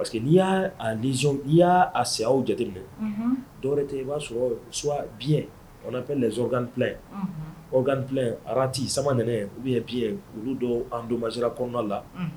Parce que n'i y'az i y'a se jate minɛ dɔw tɛ i b'a sɔrɔ suwa biyɛn o bɛ z ganfi ofi arati sama nɛnɛ u bɛ bi olu don an don masira kɔnɔna la